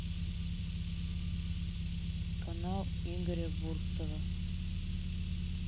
канал игоря бурцева